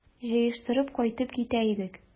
Җыештырып кайтып китә идек...